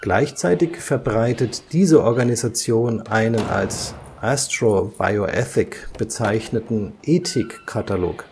Gleichzeitig verbreitet diese Organisation einen als „ Astrobioethic “bezeichneten Ethikkatalog.